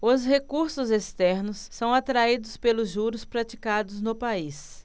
os recursos externos são atraídos pelos juros praticados no país